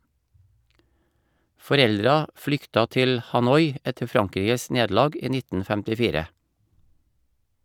Foreldra flykta til Hanoi etter Frankrikes nederlag i 1954.